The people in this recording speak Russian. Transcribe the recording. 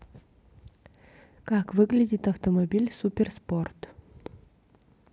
как выглядит автомобиль суперспорт